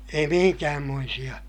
ei minkäänmoisia